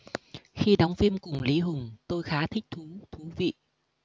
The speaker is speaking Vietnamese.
khi đóng phim cùng lý hùng tôi khá thích thú thú vị